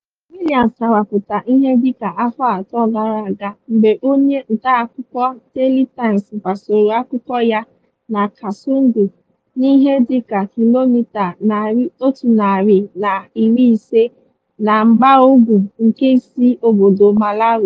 William chawapụtara ihe dịka afọ atọ gara aga mgbe onye ntaakụkọ Daily Times gbasoro akụkọ ya na Kasungu n'ihe dịka kilomita 150 na mgbagougwu nke isi obodo Malawi.